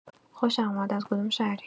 خوشم اومد، از کدوم شهری؟